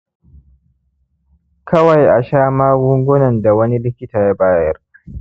kawai a sha magungunan da wani likita ya bayar